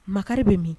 Ma bɛ min